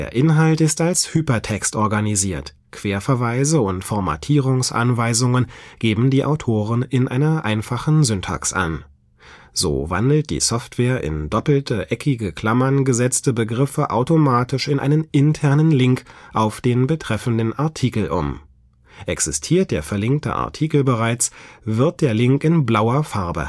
Inhalt ist als Hypertext organisiert. Querverweise und Formatierungsanweisungen geben die Autoren in einer einfachen Syntax ein. So wandelt die Software in doppelte eckige Klammern ([[]]) gesetzte Begriffe automatisch in einen internen Link auf den betreffenden Artikel um. Existiert der verlinkte Artikel bereits, wird der Link in blauer Farbe